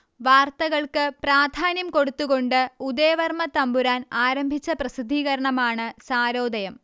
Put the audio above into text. വാർത്തകൾക്ക് പ്രാധാന്യം കൊടുത്തുകൊണ്ട് ഉദയവർമ്മത്തമ്പുരാൻ ആരംഭിച്ച പ്രസിദ്ധീകരണമാണ് സാരോദയം